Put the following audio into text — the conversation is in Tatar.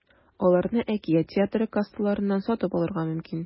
Аларны “Әкият” театры кассаларыннан сатып алырга мөмкин.